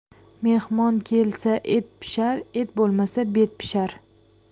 mehmon kelsa et pishar et bo'lmasa bet pishar